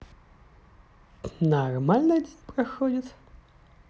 нормально день проходит